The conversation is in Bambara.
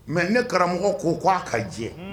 Mɛ ne karamɔgɔ ko k'a ka jɛ